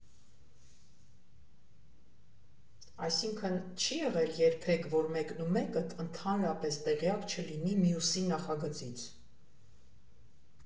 Այսինքն՝ չի եղե՞լ երբեք, որ մեկնումեկդ ընդհանրապես տեղյակ չլինի մյուսի նախագծից։